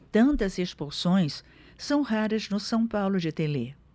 tantas expulsões são raras no são paulo de telê